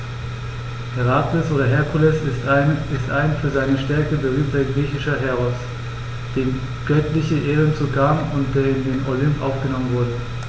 Herakles oder Herkules ist ein für seine Stärke berühmter griechischer Heros, dem göttliche Ehren zukamen und der in den Olymp aufgenommen wurde.